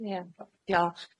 Ia, diolch.